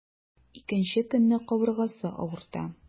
Икенче көнне кабыргасы авырта.